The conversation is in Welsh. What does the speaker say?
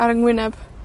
ar 'yng ngwyneb.